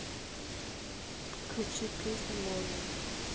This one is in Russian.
включи песню молния